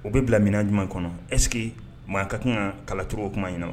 O bɛ bila min ɲuman kɔnɔ est ce que maa ka kan ka kala turu o kuma in na